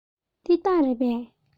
འདི སྟག རེད པས